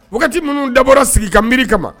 O wagati minnu dabɔ sigi ka miiri kama